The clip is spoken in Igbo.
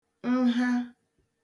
nha